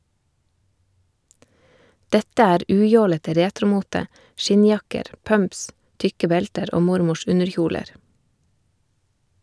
Dette er ujålete retromote , skinnjakker , pumps, tykke belter og mormors underkjoler.